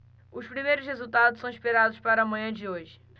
os primeiros resultados são esperados para a manhã de hoje